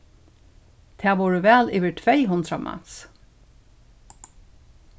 tað vóru væl yvir tvey hundrað mans